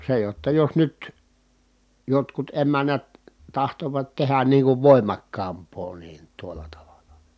se jotta jos nyt jotkut emännät tahtovat tehdä niin kuin voimakkaampaa niin tuolla tavalla